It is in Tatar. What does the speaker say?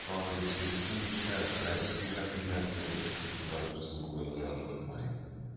Басма версиясе буенча, Россия хакимияте үз криптовалютасын булдырырга ашыкмый.